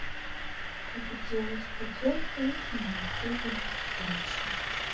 как делать поделку на ютубе очень